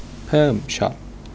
เพิ่มช็อต